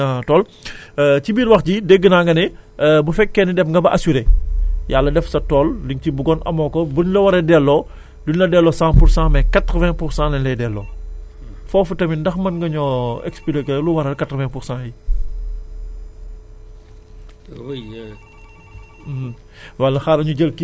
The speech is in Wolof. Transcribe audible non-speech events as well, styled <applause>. ñu nekk nag ci période am juste naka ngeen war a mën a def ba aar seen i tool <breath> <hesitation> ci biir wax ji dégg naa nga ne <hesitation> bu fekkee ne dem nga ba assurer Yàlla def sa tool li nga ci buggoon amoo ko bu ñu la waree dellee <breath> du ñu la delloo cent pour cent mais quatre vingt pour cent la ñu lay delloo <noise> foofu tamit ndax mën nga ñoo <noise> expliquer lu waral quatre vingt pour cent yi